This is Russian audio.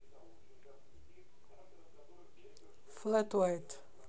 флэт уайт